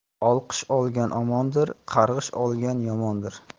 olqish olgan omondir qarg'ish olgan yomondir